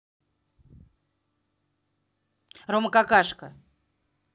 roma какашка